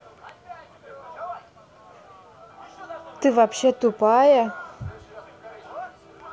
ты вообще тупая